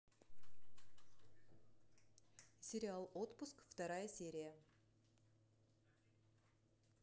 сериал отпуск вторая серия